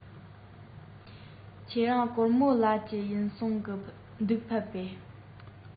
ཁྱེད རང གོར མོ ལ ཀྱི ཡིན གསུང གི འདུག ཕེབས པས ཕྱིན པས